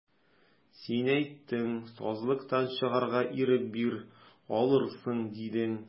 Син әйттең, сазлыктан чыгарга ирек бир, алырсың, дидең.